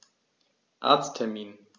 Arzttermin